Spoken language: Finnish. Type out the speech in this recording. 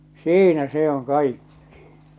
siinä se on kaikki